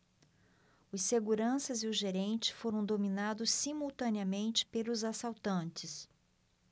os seguranças e o gerente foram dominados simultaneamente pelos assaltantes